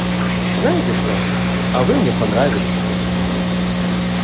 знаете что а вы мне понравились